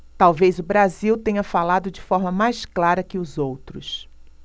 talvez o brasil tenha falado de forma mais clara que os outros